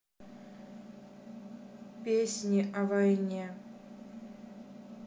песни о войне